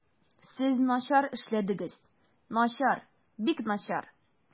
Сез начар эшләдегез, начар, бик начар.